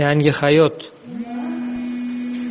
yangi hayot